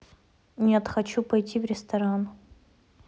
нет хочу пойти в ресторан